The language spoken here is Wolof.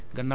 ci mbay